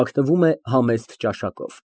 Հագնվում է համեստ, ճաշակով։